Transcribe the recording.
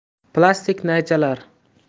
plastik naychalar